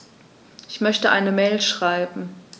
Ich möchte eine Mail schreiben.